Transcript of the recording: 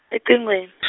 ecingwen- .